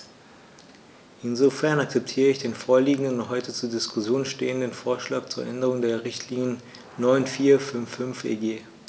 Insofern akzeptiere ich den vorliegenden und heute zur Diskussion stehenden Vorschlag zur Änderung der Richtlinie 94/55/EG.